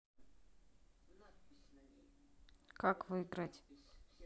как выиграть